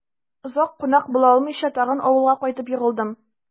Озак кунак була алмыйча, тагын авылга кайтып егылдым...